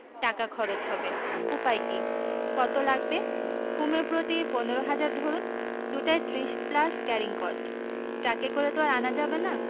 টাকা খরচ হবে উপায় কি কত লাগবে কুমীর প্রতি পনেরো হাজার ধরুন দুটায় ত্রিশ প্লাস ক্যারিং কস্ট ট্রাকে করে তো আর আনা যাবে না